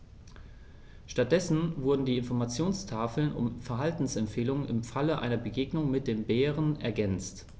Stattdessen wurden die Informationstafeln um Verhaltensempfehlungen im Falle einer Begegnung mit dem Bären ergänzt.